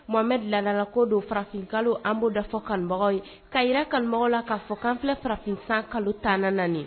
Tumame dilanla ko don farafin kalo an b'oda fɔ kanubagaw ye ka jira kanubagaw la k'a fɔ kanfɛ farafinfan kalo ta na